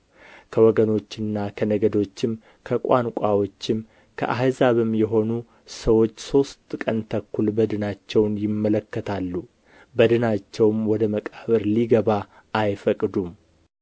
ከወገኖችና ከነገዶችም ከቋንቋዎችም ከአሕዛብም የሆኑ ሰዎች ሦስት ቀን ተኵል በድናቸውን ይመለከታሉ በድናቸውም ወደ መቃብር ሊገባ አይፈቅዱም